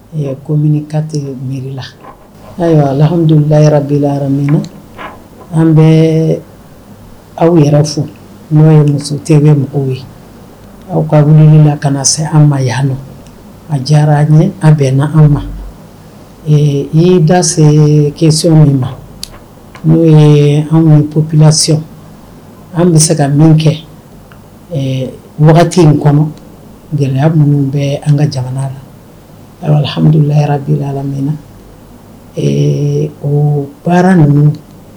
Ko tigɛ mi la ayiwahamidu lara bila min na an bɛ aw yɛrɛ fo n'o ye muso tɛ bɛ mɔgɔw ye aw ka kana se an ma yan nɔ a diyara ɲɛ an bɛn na anw ma i da se kesi min ma n'o ye anw psi an bɛ se ka min kɛ wagati in kɔnɔ gɛlɛya minnu bɛ an ka jamana lamidu lara bi baara ninnu